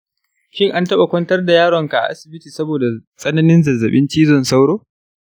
shin an taɓa kwantar da yaronka a asibiti saboda tsananin zazzabin cizon sauro?